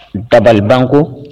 Dabalibanko